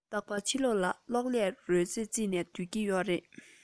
རྟག པར ཕྱི ལོག ལ གློག ཀླད རོལ རྩེད རྩེད ནས སྡོད ཀྱི ཡོད རེད